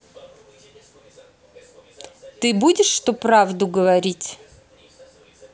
ты будешь что правду говорить